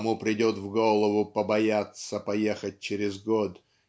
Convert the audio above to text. кому придет в голову побояться поехать через год